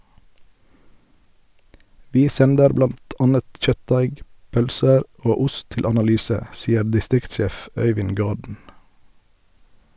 - Vi sender blant annet kjøttdeig, pølser og ost til analyse , sier distriktssjef Øivind Gaden.